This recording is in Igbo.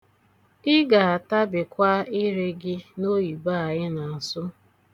Ị ga-atabikwa ire gị n'oyibo a ị na-asụ.